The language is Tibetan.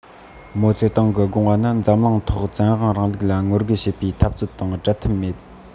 མའོ ཙེ ཏུང གི དགོངས པ ནི འཛམ གླིང ཐོག བཙན དབང རིང ལུགས ལ ངོ རྒོལ བྱེད པའི འཐབ རྩོད དང འབྲལ ཐབས མེད